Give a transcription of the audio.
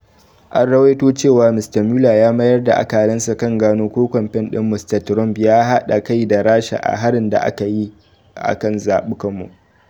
An ruwaito cewa Mr. Mueller ya mayar da akalansa kan gano ko kamfen din Mr. Trump ya hada kai da Rasha a harin da aka yi a kan zabukanmu.